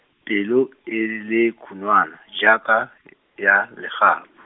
pelo e le, khunwana, jaaka y-, ya, legapu.